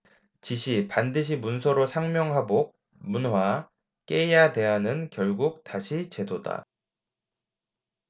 지시 반드시 문서로 상명하복 문화 깨야대안은 결국 다시 제도다